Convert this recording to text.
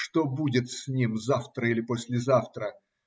что будет с ним завтра или послезавтра?